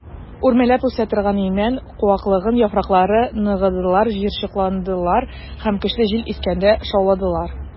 Үрмәләп үсә торган имән куаклыгының яфраклары ныгыдылар, җыерчыкландылар һәм көчле җил искәндә шауладылар.